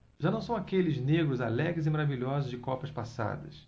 já não são aqueles negros alegres e maravilhosos de copas passadas